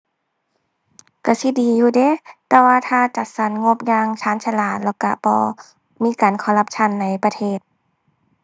ก็สิดีอยู่เดะ แต่ว่าถ้าจัดสรรงบอย่างชาญฉลาด แล้วก็บ่มีการคอร์รัปชันในประเทศ